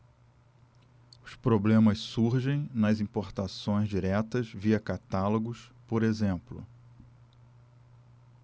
os problemas surgem nas importações diretas via catálogos por exemplo